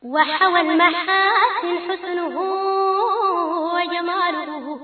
Wa wadugu